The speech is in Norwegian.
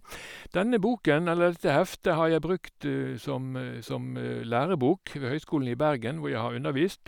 denne boken eller Dette heftet har jeg brukt som som lærebok ved Høgskolen i Bergen, hvor jeg har undervist.